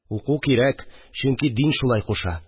Уку кирәк, чөнки дин шулай кушa